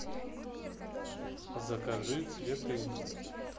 закажи цветы